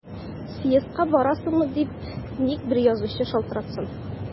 Съездга барасыңмы дип ник бер язучы шалтыратсын!